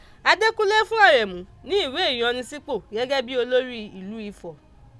Adékúnlé fún Àrèmú ní ìwé ìyannisípò gẹ́gẹ́ bí olórí ìlú Ifọ̀.